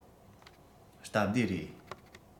སྟབས བདེ རེད